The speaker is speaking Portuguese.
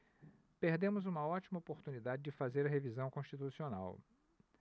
perdemos uma ótima oportunidade de fazer a revisão constitucional